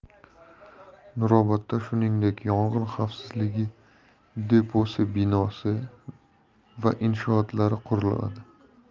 nurobodda shuningdek yong'in xavfsizligi deposi bino va inshootlari quriladi